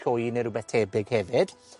llwy ne' rwbeth tebyg hefyd.